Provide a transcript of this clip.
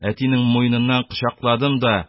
Әтинең муеныннан кочакладым да: